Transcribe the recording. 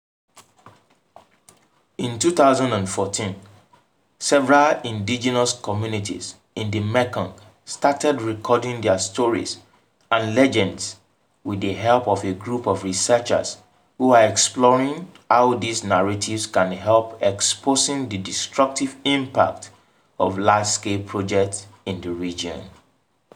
In 2014, several indigenous communities in the Mekong started recording their stories and legends with the help of a group of researchers who are exploring how these narratives can help exposing the destructive impact of large-scale projects in the region.